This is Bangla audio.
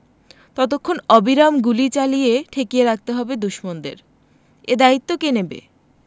ততক্ষণ অবিরাম গুলি চালিয়ে ঠেকিয়ে রাখতে হবে দুশমনদের এ দায়িত্ব কে নেবে